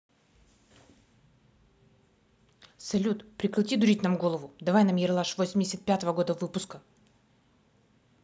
салют прекрати дурить нам голову давай нам ералаш восемьдесят пятого года выпуска